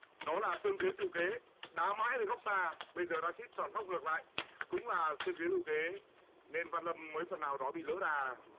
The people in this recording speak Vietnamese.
đó là tương kế tựu kế đá mãi về góc xa bây giờ ra sít chọn góc ngược lại cũng là tương kế tựu kế nên văn lâm mới phần nào đó bị lỡ đà